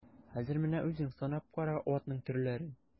Хәзер менә үзең санап кара атның төрләрен.